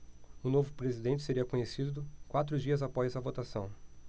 o novo presidente seria conhecido quatro dias após a votação